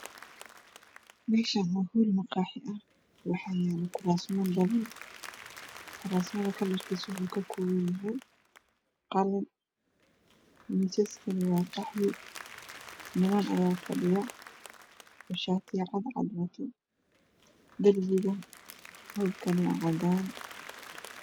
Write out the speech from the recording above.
Mishaan hool waxa ayalo koraas badan korsta midapkoodu waxa uu ka kooban yahy qalin miskana waa qaxi niman ayaa fadhiyo oo shatiyaal cad watao dapiga hoolkana waa cadaan